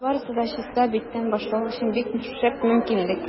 Барысын да чиста биттән башлау өчен бик шәп мөмкинлек.